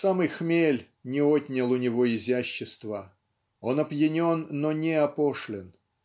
Самый хмель не отнял у него изящества; он опьянен, но не опошлен.